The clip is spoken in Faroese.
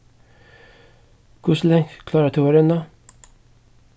hvussu langt klárar tú at renna